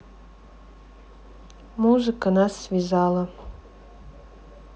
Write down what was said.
музыка нас связала